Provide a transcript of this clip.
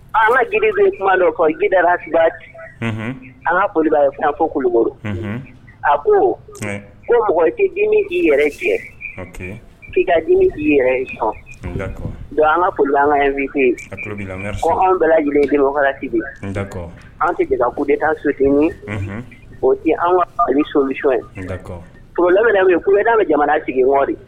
An ka jiri kuma don ko jidara an kaba fɔ kulugo a ko ko mɔgɔ dimi k'i yɛrɛ tiɲɛ k'ita dimi k'i yɛrɛ sɔn don an ka ku an ka ɲɛ misit yen ko an bɛɛ lajɛlen mɔgɔtigi an tɛ ka ku bɛ taa sutigi ye an ka ni sosu la kuda bɛ jamana sigi wari